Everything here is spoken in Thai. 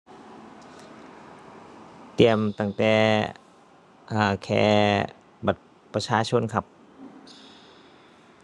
เตรียมตั้งแต่ อ่า แค่บัตรประชาชนครับ